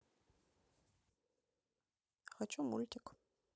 хочу мультик